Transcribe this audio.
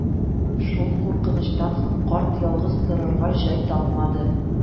Шул куркынычтан соң карт ялгыз торырга җай тапмады